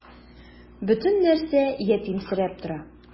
Бөтен нәрсә ятимсерәп тора.